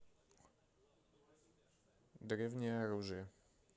древнее оружие